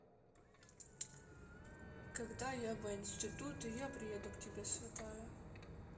когда я бы институт я приду к тебе святая